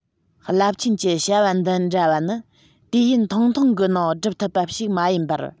རླབས ཆེན གྱི བྱ བ འདི འདྲ བ ནི དུས ཡུན ཐུང ཐུང གི ནང བསྒྲུབ ཐུབ པ ཞིག མ ཡིན པར